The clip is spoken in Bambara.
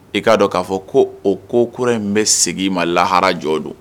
I k'a dɔn k'a fɔ ko o ko kura in bɛ segin ma lahara jɔ don